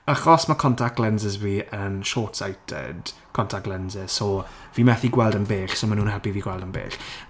achos mae contact lenses fi yn short-sighted contact lenses. So fi methu gweld yn bell. So maen nhw'n helpu fi gweld yn bell.